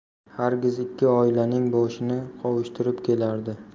hargiz ikki oilaning boshini qovushtirib kelardi